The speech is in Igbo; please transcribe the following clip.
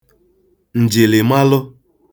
ǹjìlìmalụ